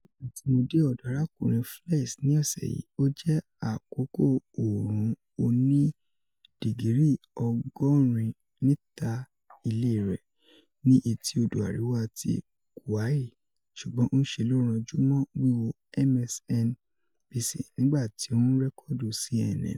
Nigba ti mo de ọdọ Arakunrin Fleiss ni ọsẹ yii, o jẹ akoko oorun oni 80 digiri nita ile rẹ ni eti odo ariwa ti Kauai, ṣugbọn n ṣe lo ranju mọ wiwo MSNBC nigba ti o n rẹkọdu CNN.